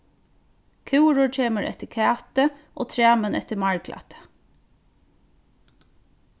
kúrur kemur eftir kæti og tramin eftir marglæti